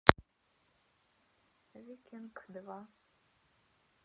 викинг два